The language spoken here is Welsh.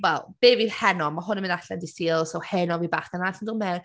Wel, fe fydd heno, mae hwn yn mynd allan dydd Sul so heno bydd bachgen arall yn dod mewn.